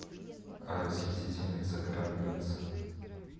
расхитительница гробниц